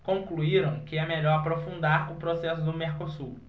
concluíram que é melhor aprofundar o processo do mercosul